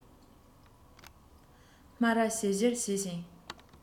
སྨ རར བྱིལ བྱིལ བྱེད བཞིན